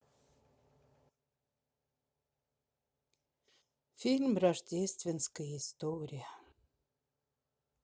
фильм рождественская история